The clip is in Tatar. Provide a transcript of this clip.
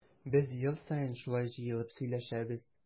Без ел саен шулай җыелып сөйләшәбез.